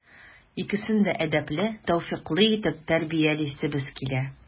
Икесен дә әдәпле, тәүфыйклы итеп тәрбиялисебез килә.